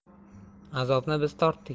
azobni biz tortdik